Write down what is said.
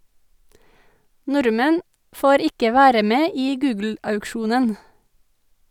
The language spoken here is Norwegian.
Nordmenn får ikke være med i Google-auksjonen.